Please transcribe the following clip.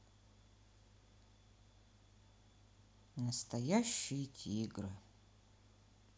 настоящие тигры